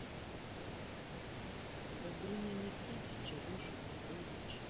добрыня никитич алеша попович